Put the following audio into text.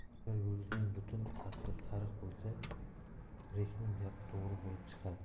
agar yulduzning butun sathi sariq bo'lsa rekning gapi to'g'ri bo'lib chiqadi